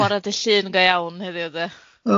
Bore dy Lly go iawn heddiw 'de.